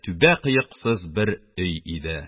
Түбә-кыексыз бер өй иде.